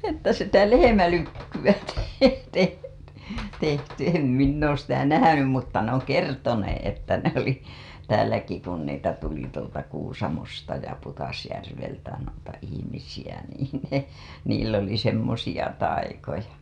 että sitä lehmälykkyä -- tehty en minä ole sitä nähnyt mutta ne on kertoneet että ne oli täälläkin kun niitä tuli tuolta Kuusamosta ja Pudasjärveltä noita ihmisiä - niin ne niillä oli semmoisia taikoja